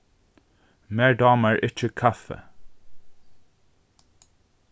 mær dámar ikki kaffi